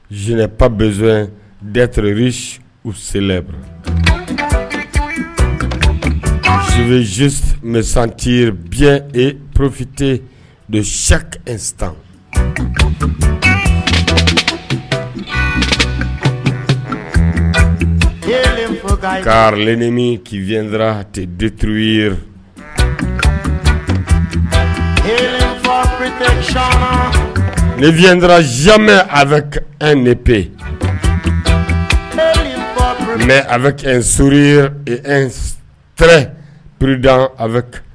Zep bɛ z in dete u selenra z msanti bie porofite sa n san kelen ka len nimi k'i vra dituru yefa ni vra zimɛ a bɛ e de pe a bɛ n sri purd bɛ